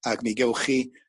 ag mi gewch chi